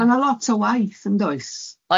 Ma' 'na lot o waith yndoes?